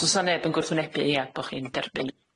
Os o's 'sa neb yn gwrthwynebu ia bo' chi'n derbyn .